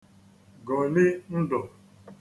gòli ndụ